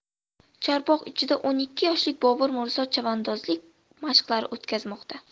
chorbog' ichida o'n ikki yoshlik bobur mirzo chavandozlik mashqlari o'tkazmoqda